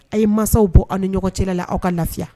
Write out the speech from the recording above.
A ye masaw bɔ a ni ɲɔgɔn cɛla la aw ka lafiya.